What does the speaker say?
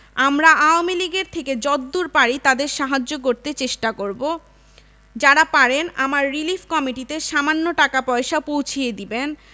আমরা আওয়ামীলীগের থেকে যদ্দুর পারি তাদের সাহায্য করতে চেষ্টা করব যারা পারেন আমার রিলিফ কমিটিতে সামান্য টাকা পয়সা পৌঁছিয়ে দিবেন